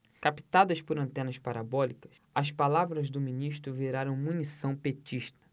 captadas por antenas parabólicas as palavras do ministro viraram munição petista